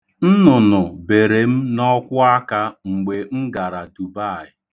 Nnụnụ bere m n'ọkwụaka mgbe m gara Dubaayị.